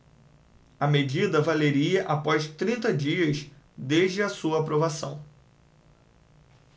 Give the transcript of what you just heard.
a medida valeria após trinta dias desde a sua aprovação